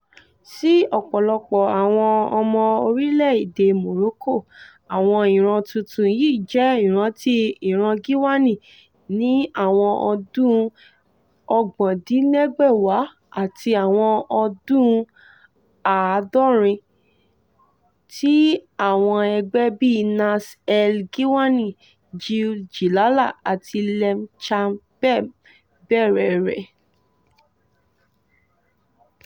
Sí ọ̀pọ̀lọpọ̀ àwọn ọmọ orílẹ̀ èdè Morocco, àwọn ìran tuntun yìí jẹ́ ìrántí ìran Ghiwane ní àwọn ọdún 1970s àti àwọn ọdún 80s,tí àwọn ẹgbẹ́ bíi Nass El Ghiwane, Jil Jilala and Lemchabeb bẹ̀rẹ̀ rẹ̀.